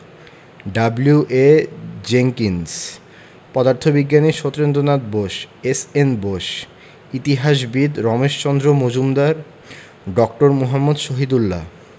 W A Jenkins পদার্থবিজ্ঞানী Satyendranath Bose S N Bose ইতিহাসবিদ রমেশচন্দ্র মজুমদার ড. মুহাম্মদ শহীদুল্লাহ